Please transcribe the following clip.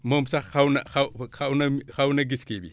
moom sax xaw na xaw xaw na xaw na gis kii bi